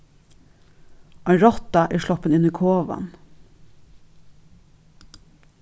ein rotta er sloppin inn í kovan